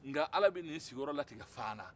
nka ala bɛ nin sigiyɔrɔ latigɛ fana